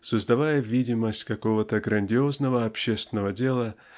создавая видимость какого-то грандиозного общественного дела